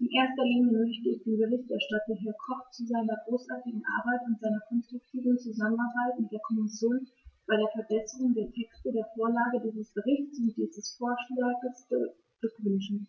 In erster Linie möchte ich den Berichterstatter, Herrn Koch, zu seiner großartigen Arbeit und seiner konstruktiven Zusammenarbeit mit der Kommission bei der Verbesserung der Texte, der Vorlage dieses Berichts und dieses Vorschlags beglückwünschen;